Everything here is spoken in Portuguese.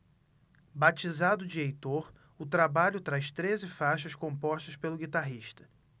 batizado de heitor o trabalho traz treze faixas compostas pelo guitarrista